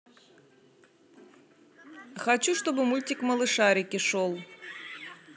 хочу чтобы мультик малышарики шел